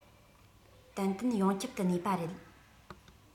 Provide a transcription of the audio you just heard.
ཏན ཏན ཡོངས ཁྱབ ཏུ གནས པ རེད